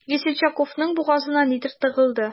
Весельчаковның бугазына нидер тыгылды.